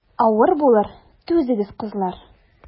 Авыр булыр, түзегез, кызлар.